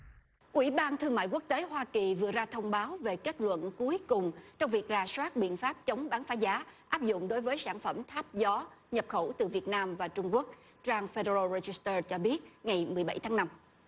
ủy ban thương mại quốc tế hoa kỳ vừa ra thông báo về kết luận cuối cùng trong việc rà soát biện pháp chống bán phá giá áp dụng đối với sản phẩm tháp gió nhập khẩu từ việt nam và trung quốc trang phe đơ rô ri dít tơ cho biết ngày mười bảy tháng năm